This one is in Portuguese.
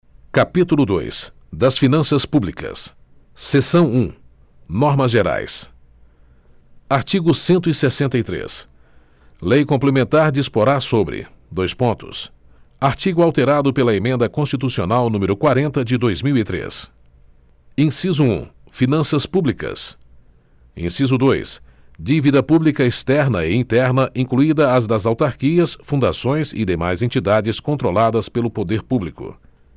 capítulo dois das finanças públicas seção um normas gerais artigo cento e sessenta e três lei complementar disporá sobre dois pontos artigo alterado pela emenda constitucional número quarenta de dois mil e três inciso um finanças públicas inciso dois dívida pública externa e interna incluída as das autarquias fundações e demais entidades controladas pelo poder público